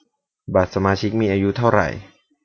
บัตรสมาชิกมีอายุเท่าไหร่